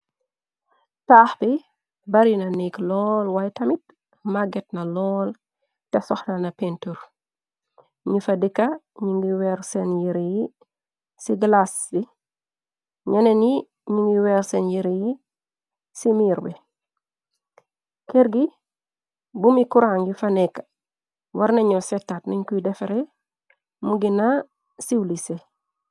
Taax bi bari na nekk lool, waay tamit magget na lool, te sox lana pintur. Nñu fa dikka ñi ngi weer seen yëre yi ci glaas bi, ñenenyi ñu ngi weer seen yare yi ci miir bi. Kër gi bumi kurang yi fa nekka, war naño setaat nuñ koy defare, mu gina siiw lise.